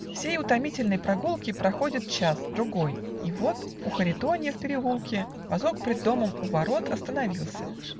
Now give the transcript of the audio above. Х В сей утомительной прогулке Проходит час-другой, и вот У Харитонья в переулке Возок пред домом у ворот Остановился.